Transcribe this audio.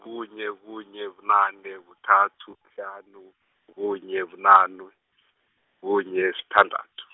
kunye kunye bunane, kuthathu kuhlanu kunye, bunane, kunye sithandathu.